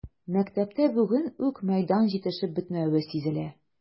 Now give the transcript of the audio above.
Мәктәптә бүген үк мәйдан җитешеп бетмәве сизелә.